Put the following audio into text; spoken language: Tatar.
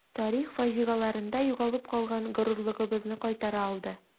Тарих фаҗигаларында югалып калган горурлыгыбызны кайтара алды.